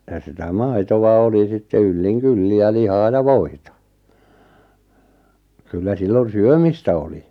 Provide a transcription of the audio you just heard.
ja sitä maitoa oli sitten yllin kyllin ja lihaa ja voita kyllä silloin syömistä oli